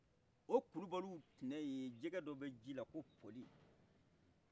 o kulubaliw tinɛye jɛkɛdɔ be jila ko pɔli